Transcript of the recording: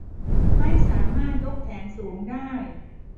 ไม่สามารถยกแขนสูงได้